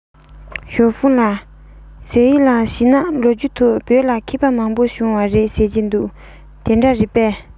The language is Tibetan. ཞའོ ཧྥུང ལགས ཟེར ཡས ལ བྱས ན ལོ རྒྱུས ཐོག བོད ལ མཁས པ མང པོ བྱུང བ རེད ཟེར གྱིས དེ འདྲ རེད པས